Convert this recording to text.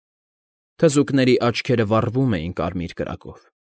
Թզուկների աչքերը վառվում էին կարմիր կրակով։